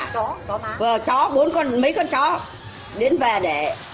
vừa chó bốn con mấy con chó đến về để